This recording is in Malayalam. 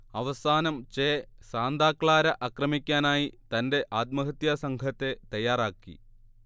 അവസാനം ചെ സാന്താ ക്ലാര ആക്രമിക്കാനായി തന്റെ ആത്മഹത്യാ സംഘത്തെ തയ്യാറാക്കി